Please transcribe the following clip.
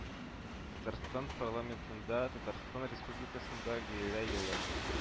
Татарстан парламентында Татарстан Республикасында Гаилә елы